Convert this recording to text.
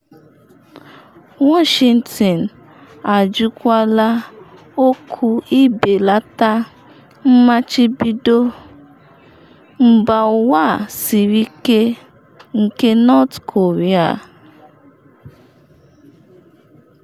Washington ajụkwala oku ibelata mmachibido mba ụwa a siri ike nke North Korea.